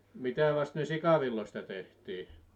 mitä vasten ne sikavilloista tehtiin